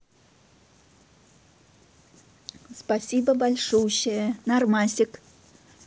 спасибо большущее нормасик